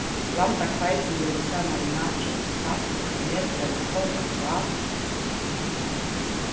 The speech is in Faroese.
blanda hveitimjølið saman við natron og salt og kanel í eina stóra skál